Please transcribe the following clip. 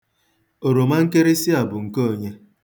Oromankịrịsị a bụ nke onye?